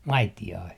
maitiainen